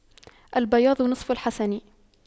البياض نصف الحسن